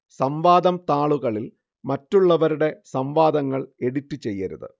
സംവാദം താളുകളിൽ മറ്റുള്ളവരുടെ സംവാദങ്ങൾ എഡിറ്റ് ചെയ്യരുത്